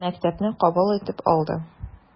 Мәктәпне кабул итеп алды.